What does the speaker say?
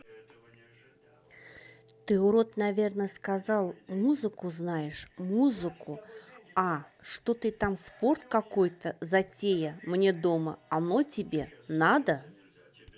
ты урод наверное сказал музыку знаешь музыку а что ты там спорт какой то затея мне дома оно тебе надо